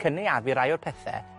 cynaeafu rai o'r pethe